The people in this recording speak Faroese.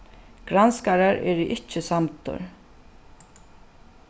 granskarar eru ikki samdir